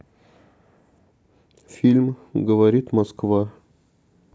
фильм говорит москва